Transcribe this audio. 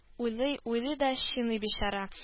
Уйлый, уйлый да чиный бичара